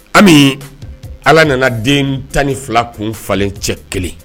Ami ala nana den tan ni fila kun falenlen cɛ kelen